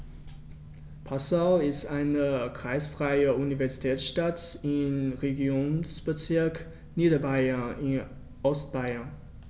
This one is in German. Passau ist eine kreisfreie Universitätsstadt im Regierungsbezirk Niederbayern in Ostbayern.